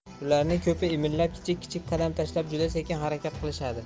ularning ko'pi imillab kichik kichik qadam tashlab juda sekin harakat qilishadi